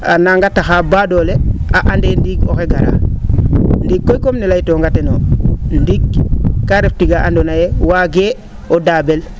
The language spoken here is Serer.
a nanga taxa baadoola a ande ndiig oxey garaa ndiiki koy comme nee laytanonga o teno ndiig ka ref tiga andoona ye waage o daabel'